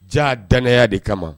Jaa danaya de kama